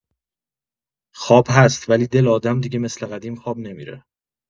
خواب هست، ولی دل آدم دیگه مثل قدیم خواب نمی‌ره.